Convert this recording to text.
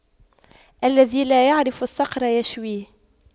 الذي لا يعرف الصقر يشويه